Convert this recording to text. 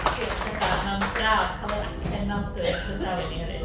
Diolch yn fawr. Mae'n braf cael yr acen Maldwyn i'n croesawu ni hefyd.